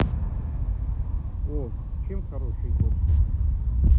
о чем хороший год